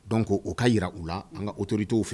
Dɔn ko o ka jira u la an ka otori t'w fɛ